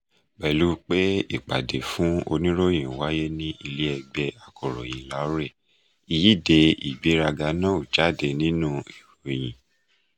Pẹ̀lú pé ìpàdé fún oníròyìn wáyé ní Ilé Ẹgbẹ́ Akọ̀ròyìn Lahore, Ìyíde Ìgbéraga náà ó jáde nínú ìròyìn.